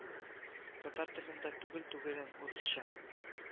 Татар телендә түгел-түгелен, урысча